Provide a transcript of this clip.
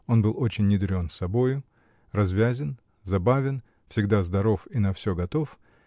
он был очень недурен собою, развязен, забавен, всегда здоров и на все готов